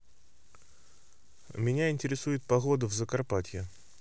меня интересует погода в закарпатье